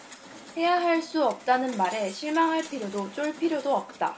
하야할 수 없다는 말에 실망할 필요도 쫄 필요도 없다